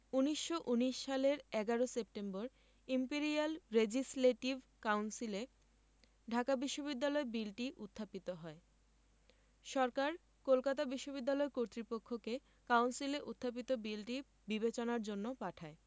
১৯১৯ সালের ১১ September imperial legislative কাউন্সিলে ঢাকা বিশ্ববিদ্যালয় বিলটি উত্থাপিত হয় সরকার কলকাতা বিশ্ববিদ্যালয় কর্তৃপক্ষকে কাউন্সিলে উত্থাপিত বিলটি বিবেচনার জন্য পাঠায়